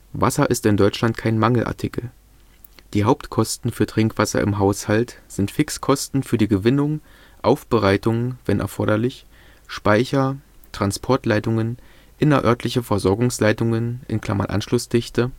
Wasser ist in Deutschland kein Mangelartikel. Die Hauptkosten für Trinkwasser im Haushalt sind Fixkosten für die Gewinnung, Aufbereitung (wenn erforderlich), Speicher, Transportleitungen, innerörtliche Versorgungsleitungen (Anschlussdichte